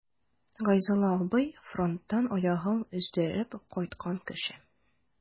Гайзулла абый— фронттан аягын өздереп кайткан кеше.